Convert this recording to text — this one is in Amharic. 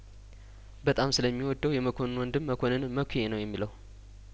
በጣም ስለሚ ወደው የመኮንን ወንድም መኮንንን መኳ ነው የሚለው